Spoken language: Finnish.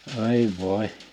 ai voi